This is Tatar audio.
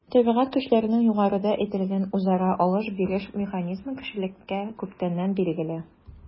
Табигать көчләренең югарыда әйтелгән үзара “алыш-биреш” механизмы кешелеккә күптәннән билгеле.